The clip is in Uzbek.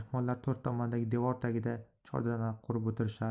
mehmonlar to'rt tomondagi devor tagida chordana qurib o'tirishar